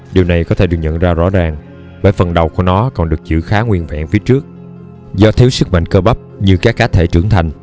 điều này có thể được nhận ra rõ ràng bởi phần đầu của nó còn được giữ khá nguyên vẹn phía trước do thiếu sức mạnh cơ bắp như các cá thể trưởng thành